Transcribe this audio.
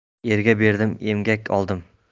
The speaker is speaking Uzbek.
erga berdim emgak oldim